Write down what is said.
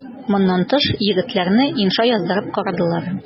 Моннан тыш егетләрне инша яздырып карадылар.